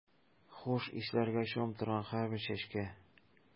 Хуш исләргә чумып торган һәрбер чәчкә.